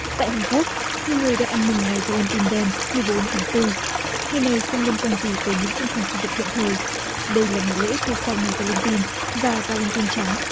tại hàn quốc nhiều người đang ăn mừng ngày va len tin đen mười bốn tháng tư này không liên quan gì tới những căng thẳng khu vực hiện thời đây là ngày lễ thô sau ngày va len tin và va len tin trắng